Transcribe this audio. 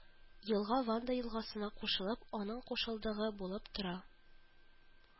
Елга Ванда елгасына кушылып, аның кушылдыгы булып тора